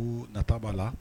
U nata b'a la